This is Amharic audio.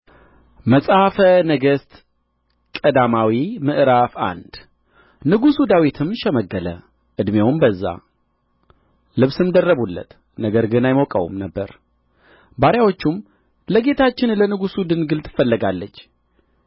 መጽሐፈ ነገሥት ቀዳማዊ ምዕራፍ አንድ ንጉሡ ዳዊትም ሸመገለ ዕድሜውም በዛ ልብስም ደረቡለት ነገር ግን አይሞቀውም ነበር ባሪያዎቹም ለጌታችን ለንጉሡ ድንግል ትፈለጋለች